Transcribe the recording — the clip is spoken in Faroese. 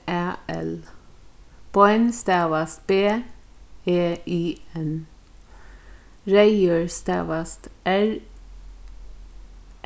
æ l bein stavast b e i n reyður stavast r